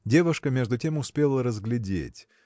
Девушка между тем успела разглядеть